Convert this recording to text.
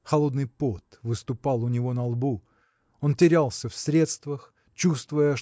Холодный пот выступал у него на лбу. Он терялся в средствах чувствуя